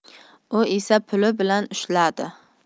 u esa puli bilan ushladi